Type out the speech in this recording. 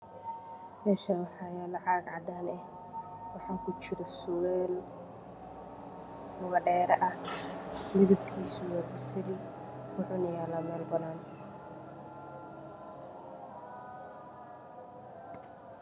Meeshan waxa yaalo caag cadaan waxaku jiro surwaal lugadhreero ah midabkiisu waa basali wuxunayaalaa meel banaan ah